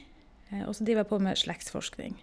Og så driver jeg på med slektsforskning.